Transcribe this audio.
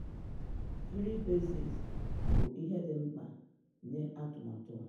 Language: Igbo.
Free Basics bụ ihe dị mkpa nye atụmatụ a.